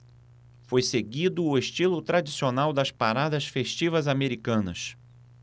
foi seguido o estilo tradicional das paradas festivas americanas